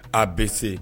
A bɛ se